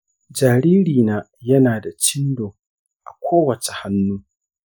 jaririna yana da cindo a kowace hannu.